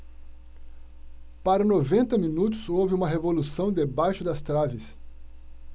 para noventa minutos houve uma revolução debaixo das traves